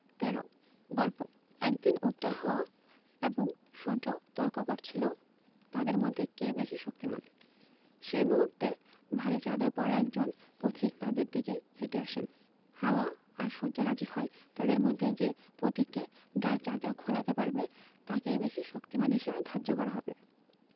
১৩ গল্প একদিন উত্তর হাওয়া এবং সূর্য তর্ক করছিল তাদের মধ্যে কে বেশি শক্তিমান সেই মুহূর্তে ভারি চাদর পরা একজন পথিক তাদের দিকে হেটে আসেন হাওয়া আর সূর্য রাজি হয় তাদের মধ্যে যে পথিকে গায়ের চাদর খোলাতে পারবে তাকেই বেশি শক্তিমান হিসেবে ধার্য করা হবে